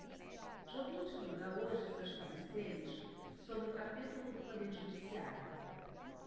jobim divulga hoje seus pareceres sobre o capítulo do poder judiciário